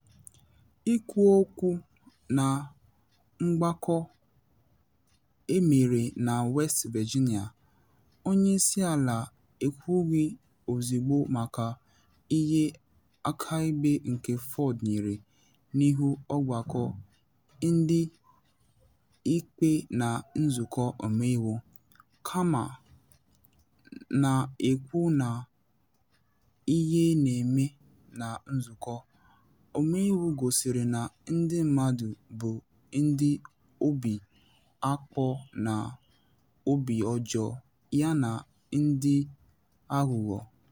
Ikwu okwu na mgbakọ emere na West Virginia, onye isi ala ekwughi ozugbo maka ihe akaebe nke Ford nyere n’ihu Ọgbakọ Ndị Ikpe nke Nzụkọ Ọmeiwu, kama na ekwu na ihe na eme na Nzụkọ Ọmeiwu gosiri na ndị mmadụ bụ ndị “obi akpọ na obi ọjọọ yana ndị aghụghọ.”